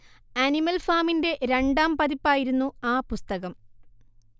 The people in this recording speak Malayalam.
ആനിമൽ ഫാമിന്റെ രണ്ടാം പതിപ്പായിരുന്നു ആ പുസ്തകം